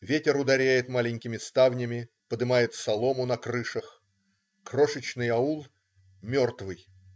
Ветер ударяет маленькими ставнями, подымает солому на крышах. Крошечный аул - мертвый.